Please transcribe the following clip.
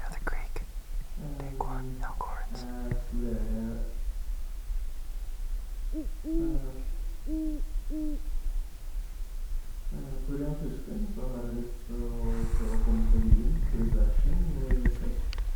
Jeg studerer På grunn av tysken så har jeg lyst til å prøve å komme til Wien på utveksling nå i høst.